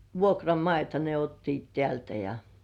vuokramaita ne ottivat täältä ja